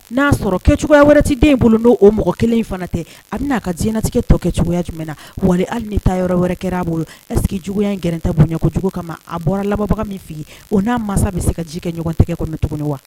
N'a'a sɔrɔ kɛ cogoyaya wɛrɛ tɛ den in bolo don o mɔgɔ kelen in fana tɛ a bɛna n'a ka diɲɛɲɛnatigɛ tɔ kɛ cogoya jumɛnɛna wali hali ni taa yɔrɔ wɛrɛ kɛra'a bolo ɛs que juguyaya gɛnrɛn ta bonya ko jugu kama a bɔra labanbaga min fili o n'a mansa bɛ se ka ji kɛ ɲɔgɔntigɛ kɔnɔcogo wa